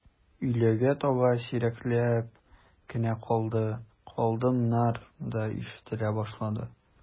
Өйләгә таба сирәкләп кенә «калды», «калдым»нар да ишетелә башлады.